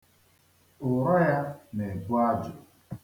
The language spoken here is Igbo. Ụra a na-ebu aju.